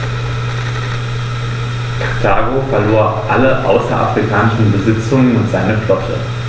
Karthago verlor alle außerafrikanischen Besitzungen und seine Flotte.